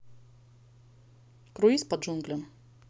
круиз по джунглям